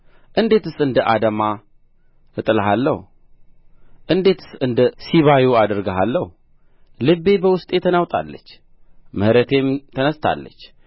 እንዴትስ እንደ አዳማ እጥልሃለሁ እንዴትስ እንደ ሲባዮ አደርግሃለሁ ልቤ በውስጤ ተናውጣለች ምሕረቴም ተነሣሥታለች